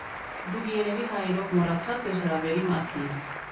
Դուք երևի հայերով մոռացաք ձեր հրավերի մասին։